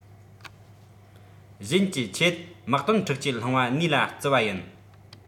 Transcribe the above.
གཞན གྱིས ཁྱེད དམག དོན འཁྲུག རྐྱེན སློང བ གནས ལ བརྩི བ ཡིན